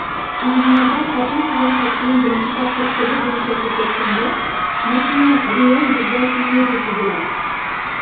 Уеннарда хатын-кызлар хоккеен беренче тапкыр ТВ буенча күрсәткәндә, нәкъ менә Реом бозда феерия тудыра.